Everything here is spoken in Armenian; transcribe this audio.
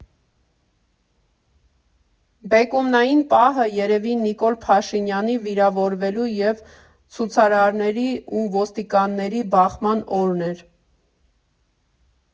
Բեկումնային պահը երևի Նիկոլ Փաշինյանի վիրավորվելու և ցուցարարների ու ոստիկանների բախման օրն էր։